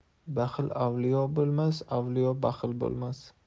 baxil avliyo bo'lmas avliyo baxil bo'lmas